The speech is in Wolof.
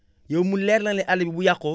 yow mu leer la ne àll bi bu yàqoo